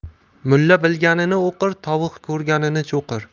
mulla bilganin o'qir tovuq ko'rganin cho'qir